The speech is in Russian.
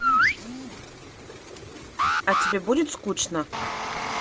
а тебе будет скучно